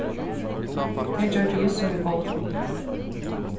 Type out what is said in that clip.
tey gjørdu júst sum vit bóðu tey